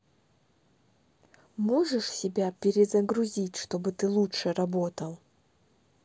можешь себя перезагрузить чтобы ты лучше работал